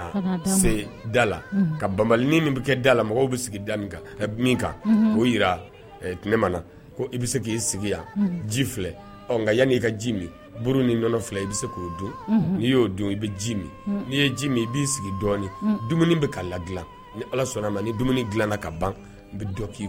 Jira i k yan ji filɛ nka yan i ji minuru niɔnɔ i bɛ se k'o don n'i y'o don i bɛ ji min n'i ye ji min i b'i sigi dɔɔnin dumuni bɛ ka la dilan ni ala sɔnna ma ni dumuni dila ka ban bɛi